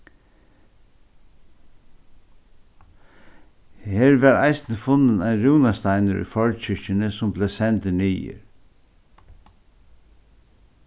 her varð eisini funnin ein rúnasteinur í forkirkjuni sum bleiv sendur niður